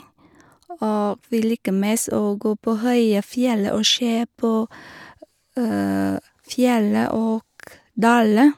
Og vi liker mest å gå på høye fjellet og se på fjellet og daler.